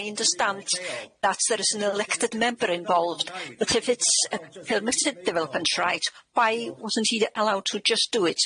I understand that there is an elected member involved but if it's a permitted development right why wasn't he allowed to just do it?